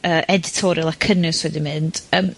yy editorial a cynnwys wedi mynd, yym,...